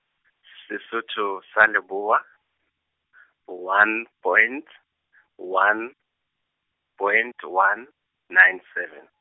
Sesotho sa Leboa , one point , one, point one, nine seven.